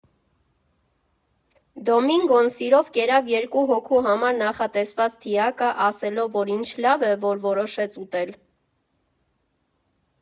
Դոմինգոն սիրով կերավ երկու հոգու համար նախատեսված թիակը՝ ասելով, որ ինչ լավ է, որ որոշեց ուտել։